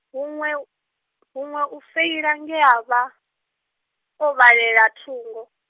huṅwe, huṅwe u feila nge a vha, o vhalela thungo.